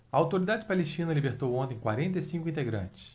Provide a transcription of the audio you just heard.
a autoridade palestina libertou ontem quarenta e cinco integrantes